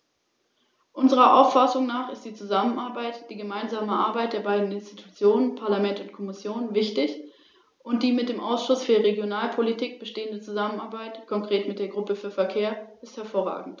Der vorliegende Kompromiss ist, was den Anwendungsbereich der Richtlinie als auch die Einführung der im Vorschlag enthaltenen 12 grundlegenden Rechte anbelangt, ein wichtiger Schritt zum Schutz der Fahrgastrechte.